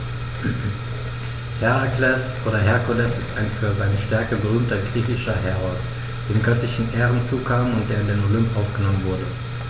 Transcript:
Herakles oder Herkules ist ein für seine Stärke berühmter griechischer Heros, dem göttliche Ehren zukamen und der in den Olymp aufgenommen wurde.